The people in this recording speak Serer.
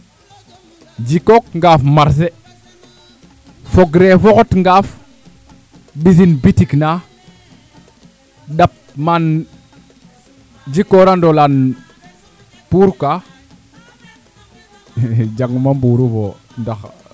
jikook ngaaf marcher fogre fo xot ngaaf ɓisin boutique na ɗap maan jikorando la puur ka jang ma mburu fo ndax